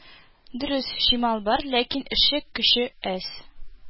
Дөрес, чимал бар, ләкин эшче көче әз